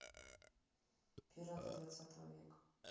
пираты двадцатого века